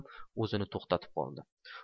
ammo o'zini to'xtatib qoldi